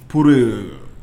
Pur yen